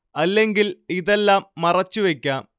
അല്ലെങ്കിൽ ഇതെല്ലാം മറച്ചുവെക്കാം